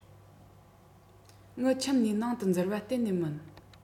ངའི ཁྱིམ ནས ནང དུ འཛུལ བ གཏན ནས མིན